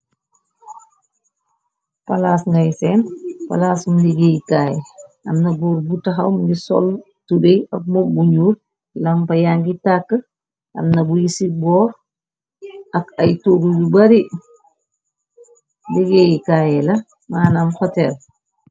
Palaas ngay feen palaasum liggéeyi kaaye amna bóor bu taxawm ngi sol tudey ak moom bu ñuur lampa yangi tàkk am na buy ci boor ak ay tugu yu bari liggéeyi kaaye la maanam xotel.